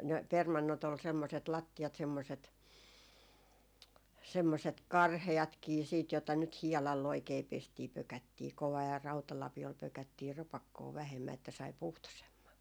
ne permannot oli semmoiset lattiat semmoiset semmoiset karheatkin sitten jota nyt hiedalla oikein pestiin pökättiin kovaa ja rautalapiolla pökättiin rapakkoon vähemmän että sai puhtoisemman